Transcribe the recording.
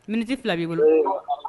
Miniti fila b'i bolo